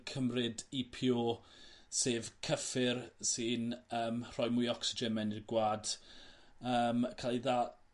cymryd Ee Pee Oh sef cyffur sy'n yym rhoi mwy o ocsygen mewn i'r gwa'd yym ca'l 'i dda-